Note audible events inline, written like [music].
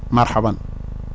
marhaban [noise]